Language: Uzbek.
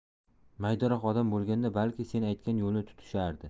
maydaroq odam bo'lganida balki sen aytgan yo'lni tutishardi